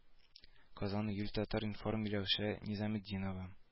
Казан июль татар-информ миләүшә низаметдинова